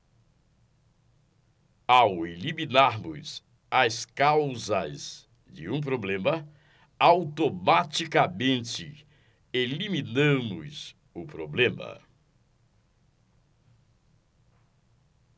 ao eliminarmos as causas de um problema automaticamente eliminamos o problema